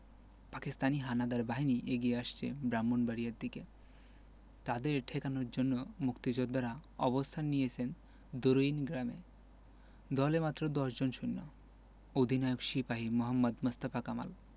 পাকিস্তানি হানাদার বাহিনী এগিয়ে আসছে ব্রাহ্মনবাড়িয়ার দিকে তাদের ঠেকানোর জন্য মুক্তিযোদ্ধারা অবস্থান নিয়েছেন দরুইন গ্রামে দলে মাত্র দশজন সৈন্য অধিনায়ক সিপাহি মোহাম্মদ মোস্তফা কামাল